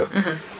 jéggi dayoo